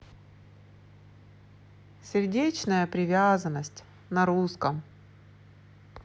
сердечная привязанность на русском